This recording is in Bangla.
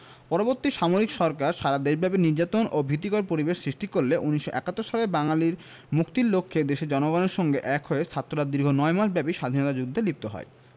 পরবর্তী সামরিক সরকার সারা দেশব্যাপী নির্যাতন ও ভীতিকর পরিবেশ সৃষ্টি করলে ১৯৭১ সালে বাঙালির মুক্তির লক্ষ্যে দেশের জনগণের সঙ্গে এক হয়ে ছাত্ররা দীর্ঘ নয় মাসব্যাপী স্বাধীনতা যুদ্ধে লিপ্ত হয়